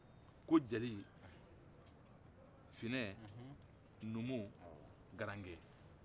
ko jeli finɛ numu karanke